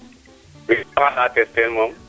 xalates teen moom